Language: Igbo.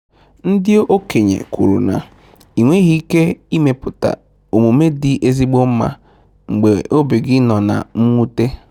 Ndị okenye kwuru na, ịnweghị ike ịmepụta omume dị ezigbo mma mgbe obi gị nọ na mwute.